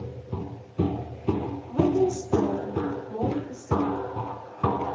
моргенштерн море песок